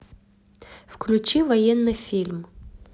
включи военный фильм